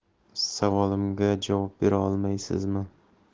savolimga javob bera olmaysizmi